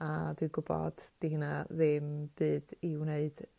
a dwi gwbod 'di hina ddim byd i wneud